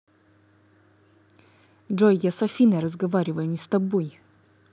джой я с афиной разговариваю не с тобой